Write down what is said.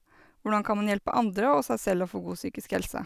Hvordan kan man hjelpe andre og seg selv å få god psykisk helse.